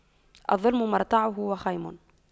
الظلم مرتعه وخيم